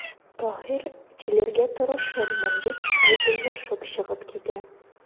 Таһир:– Килергә тырышырмын,– дип, саубуллашып чыгып китә.